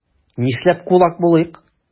Нишләп кулак булыйк?